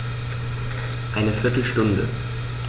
Eine viertel Stunde